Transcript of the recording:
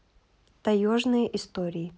таежные истории